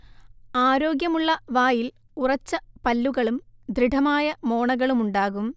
ആരോഗ്യമുള്ള വായിൽ ഉറച്ച പല്ലുകളും ദൃഢമായ മോണകളുമുണ്ടാകും